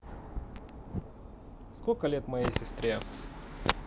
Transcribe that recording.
сколько лет моей сестре